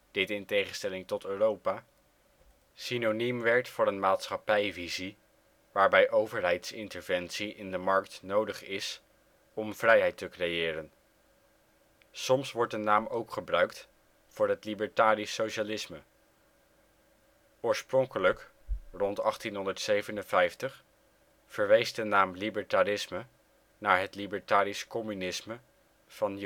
dit in tegenstelling tot Europa, synoniem werd voor een maatschappijvisie waarbij overheidsinterventie in de markt nodig is om vrijheid te creëren. Soms wordt de naam wordt ook gebruikt voor het libertarisch socialisme. Oorspronkelijk (1857) verwees de naam libertarisme naar het libertarisch communisme van